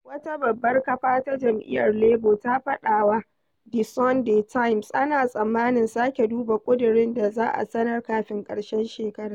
Wata babbar kafa ta Jam'iyyar Labour ta faɗa wa The Sunday Times: Ana tsammanin sake duba ƙudurin da za a sanar kafin ƙarshen shekarar.